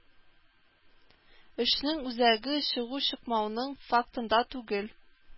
Эшнең үзәге чыгу-чыкмауның фактында түгел.